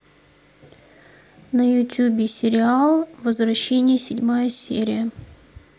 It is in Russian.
на ютубе сериал возвращение седьмая серия